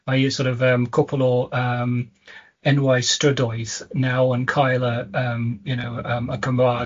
mae y sor' of yym cwpwl o yym enwau strydoedd naw' yn cael y yym, you know, yym y Cymraeg